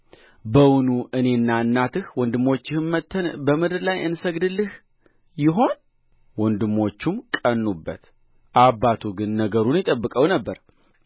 በውኑ እኔና እናትህ ወንድሞችህም መጥተን በምድር ላይ እንሰግድልህ ይሆን ወንድሞቹም ቀኑበት አባቱ ግን ነገሩን ይጠብቀው ነበር